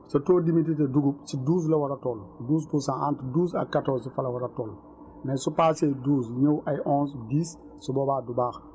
sa taux d' humidité dugub si douze la war a toll douze pour cent entre douze ak quatorze fa la war a toll mais su passé douze ñëw ay onze :fradix su boobaa du baax